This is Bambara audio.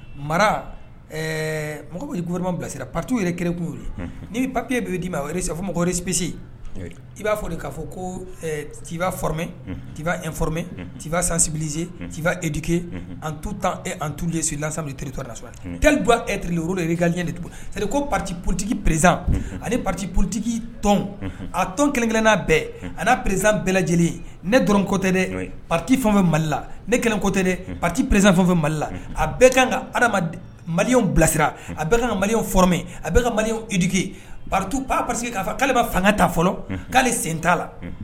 Mara mɔgɔ bɛ koma bilasira patu yɛrɛki nii bɛ papiye b bɛ d' ma sa fɔ maɔripsi i b'a fɔ de'a fɔ ko ci time tiifa sansibizse ti etigiki an tu tantulensila santiritoda bɔ eli de ka de tugun seliri pati politigi pererezan ani pati politetigi tɔn a tɔnon kelen-kelen n'a bɛɛ a' prezan bɛɛ lajɛlen ne dɔrɔnko tɛ dɛ pati fɛnfɛ malila ne kelen kɔtɛ dɛ pati perez fɛnfɛ malila a bɛɛ kan ka adama mali bilasira a bɛ ka ka mali f a bɛ ka malitigikitu pa pa que k'a fɔ kalileba fanga ta fɔlɔ k'ale sen t' la